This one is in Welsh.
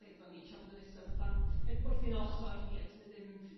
efo ni tra bod nhw'n 'istedd yn fan... Yn... Wrth ein ochor ni a 'dyn nhw ddim